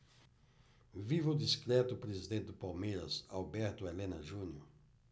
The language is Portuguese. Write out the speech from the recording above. viva o discreto presidente do palmeiras alberto helena junior